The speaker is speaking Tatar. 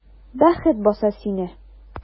Бәхет баса сине!